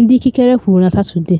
ndị ikikere kwuru na Satọde.